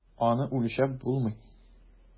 Аны үлчәп булмый.